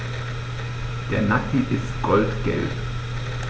Der Nacken ist goldgelb.